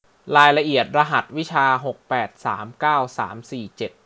รายละเอียดรหัสวิชาหกแปดสามเก้าสามสี่เจ็ด